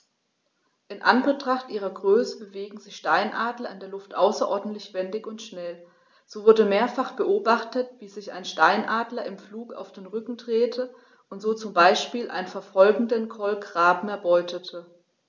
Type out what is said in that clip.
In Anbetracht ihrer Größe bewegen sich Steinadler in der Luft außerordentlich wendig und schnell, so wurde mehrfach beobachtet, wie sich ein Steinadler im Flug auf den Rücken drehte und so zum Beispiel einen verfolgenden Kolkraben erbeutete.